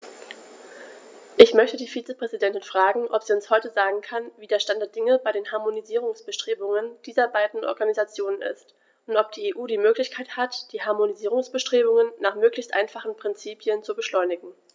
Ich möchte die Vizepräsidentin fragen, ob sie uns heute sagen kann, wie der Stand der Dinge bei den Harmonisierungsbestrebungen dieser beiden Organisationen ist, und ob die EU die Möglichkeit hat, die Harmonisierungsbestrebungen nach möglichst einfachen Prinzipien zu beschleunigen.